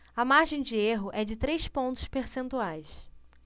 a margem de erro é de três pontos percentuais